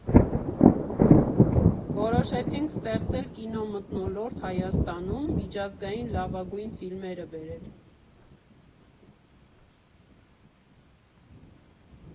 Որոշեցինք ստեղծել կինոմթնոլորտ Հայաստանում, միջազգային լավագույն ֆիլմերը բերել։